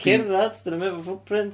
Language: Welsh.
Cerdded. 'Dyn nhw'm efo footprint.